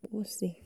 pọ̀síi.